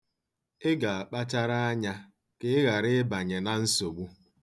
Ị ga-akpachara anya ka ị ghara ịbanye na nsogbu.